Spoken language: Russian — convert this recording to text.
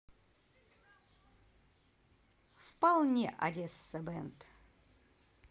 вполне одесса бэнд